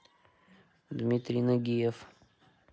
дмитрий нагиев